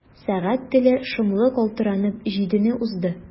Сәгать теле шомлы калтыранып җидене узды.